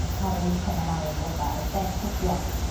y torri penna marw'r bloda y dead hedio.